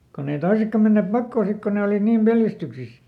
kun ei toisetkaan menneet pakoon sitten kun ne olivat niin pelästyksissä